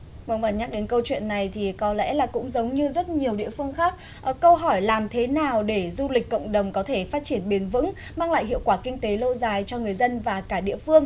vâng và nhắc đến câu chuyện này thì có lẽ là cũng giống như rất nhiều địa phương khác ở câu hỏi làm thế nào để du lịch cộng đồng có thể phát triển bền vững mang lại hiệu quả kinh tế lâu dài cho người dân và cả địa phương